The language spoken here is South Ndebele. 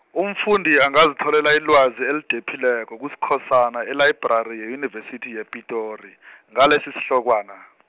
umfundi angazitholela ilwazi elidephileko, kuSkhosana, elayibrari yeyunivesithi yePitori, ngalesisihlokwana.